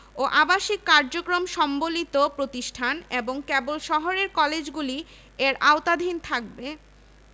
বাংলাকে পুনরায় বিভক্ত করার কোনো পদক্ষেপ সরকার কর্তৃক গৃহীত হবে না তিনি আরও বলেন যে এ নতুন বিশ্ববিদ্যালয় হবে আবাসিক এবং তা সকলের জন্য উন্মুক্ত থাকবে